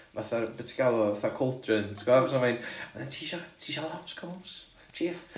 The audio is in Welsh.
fatha ryw be ti galw o? fatha cauldron ti gwbod so mae hi'n mae'n "ti isio ti isio lobscows chief?"